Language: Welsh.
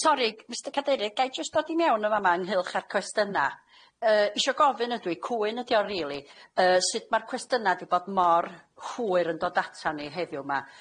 Sori, Mistyr Cadeirydd, ga' i jyst dod i mewn yn fan'ma ynghylch â'r cwestyna'. Yy isio gofyn ydw i, cwyn ydi o rili, yy sut ma'r cwestyna' 'di bod mor hwyr yn dod atan ni heddiw 'ma.